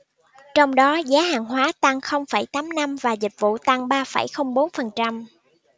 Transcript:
trong đó giá hàng hóa tăng không phẩy tám năm và dịch vụ tăng ba phẩy không bốn phần trăm